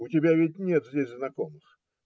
У тебя ведь нет здесь знакомых?